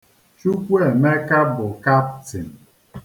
Chukwemeka bụ kaptịn